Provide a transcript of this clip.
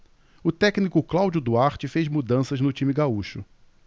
o técnico cláudio duarte fez mudanças no time gaúcho